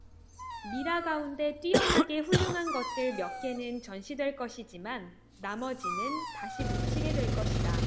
미라 가운데 뛰어나게 훌륭한 것들 몇 개는 전시될 것이지만 나머지는 다시 묻히게 될 것이다